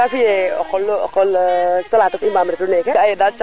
kon six keene fop nuun wey coono ayo njala mais a sutwanga tamit nuun na nga a o njiriñ